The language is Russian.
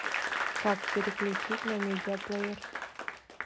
как переключить на медиа плеер